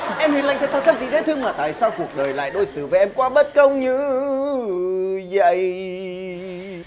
em hiền lành thật thà chăm chỉ dễ thương mà tại sao cuộc đời lại đối xử với em quá bất công như vầy